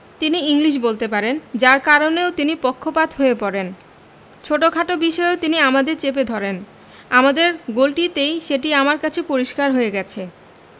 তিনি ইংলিশ বলতে পারেন যার কারণেও তিনি পক্ষপাত হয়ে পড়েন ছোটখাট বিষয়েও তিনি আমাদের চেপে ধরেন আমাদের গোলটিতেই সেটি আমার কাছে পরিস্কার হয়ে গেছে